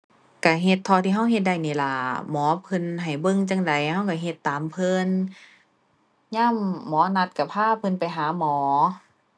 ก็เฮ็ดเท่าที่ก็เฮ็ดได้นี่ล่ะ หมอเพิ่นให้เบิ่งจั่งใด ก็ก็เฮ็ดตามเพิ่น ยามหมอนัดก็พาเพิ่นไปหาหมอ